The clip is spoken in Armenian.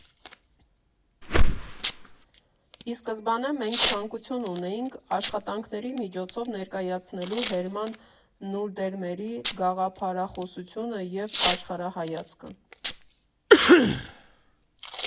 Ի սկզբանե, մենք ցանկություն ունեինք աշխատանքների միջոցով ներկայացնելու Հերման Նուրդերմերի գաղափարախոսությունը և աշխարհայացքը։